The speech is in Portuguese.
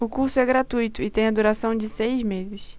o curso é gratuito e tem a duração de seis meses